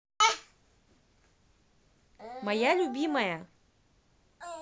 моя любимая